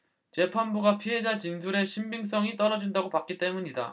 재판부가 피해자 진술의 신빙성이 떨어진다고 봤기 때문이다